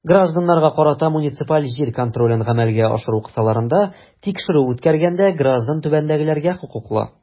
Гражданнарга карата муниципаль җир контролен гамәлгә ашыру кысаларында тикшерү үткәргәндә граждан түбәндәгеләргә хокуклы.